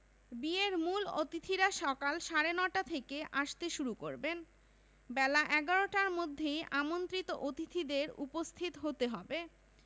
বিয়ের মূল অতিথিরা সকাল সাড়ে নয়টা থেকে আসতে শুরু করবেন বেলা ১১টার মধ্যেই আমন্ত্রিত অতিথিদের উপস্থিত হতে হবে